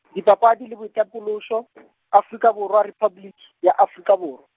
dipapadi le boitapološo , Afrika Borwa Repabliki, ya Afrika Borwa.